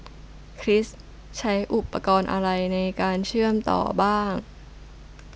คริสใช้อุปกรณ์อะไรในการเชื่อมต่อบ้าง